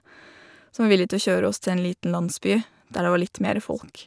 Som var villig til å kjøre oss til en liten landsby der det var litt mere folk.